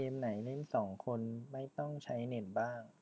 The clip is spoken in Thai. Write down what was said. เกมไหนเล่นสองคนไม่ต้องใช้เน็ตบ้าง